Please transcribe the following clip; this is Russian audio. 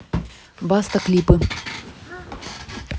баста клипы